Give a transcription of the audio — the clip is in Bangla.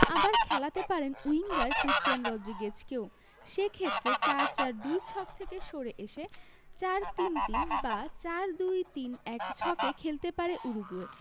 আবার খেলাতে পারেন উইঙ্গার ক্রিস্টিয়ান রড্রিগেজকেও সে ক্ষেত্রে ৪ ৪ ২ ছক থেকে সরে এসে ৪ ৩ ৩ বা ৪ ২ ৩ ১ ছকে খেলতে পারে উরুগুয়ে